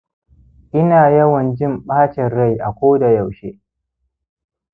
ina yawan jin bacin rai a koda yaushe